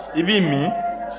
i b'i min